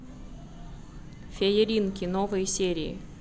фееринки новые серии